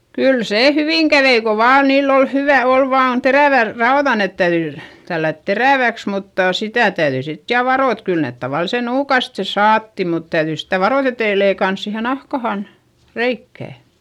kyllä se hyvin kävi kun vain niillä oli hyvä oli vain terävät raudat ne täytyi tällätä teräväksi mutta sitä täytyi sitten ja varoa että kyllä ne tavallisen nuukasti saatiin mutta täytyi sitä varoa että ei leikannut siihen nahkaan reikää